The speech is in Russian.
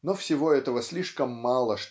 но всего этого слишком мало